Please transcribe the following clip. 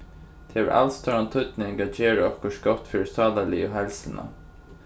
tað hevur alstóran týdning at gera okkurt gott fyri sálarligu heilsuna